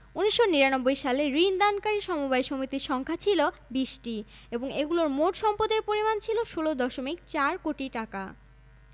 ১৯৯৯ সালে ঋণ দানকারী সমবায় সমিতির সংখ্যা ছিল ২০টি এবং এগুলোর মোট সম্পদের পরিমাণ ছিল ১৬দশমিক ৪ কোটি টাকা